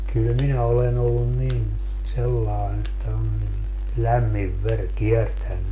kyllä minä olen ollut niin sellainen että on niin lämmin veri kiertänyt